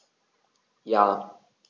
Ja.